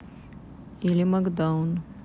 или макдаун